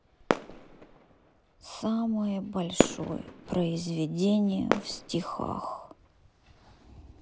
самое большое произведение в стихах